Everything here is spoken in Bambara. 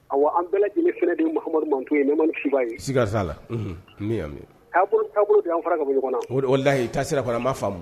Ayiwa an bɛɛ lajɛlen fdenmadu ko ye ne maba skaala'a mɛ bolo an fara ka ɲɔgɔnna layi taa sira maa faamu